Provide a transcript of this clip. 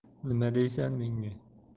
nima deysan menga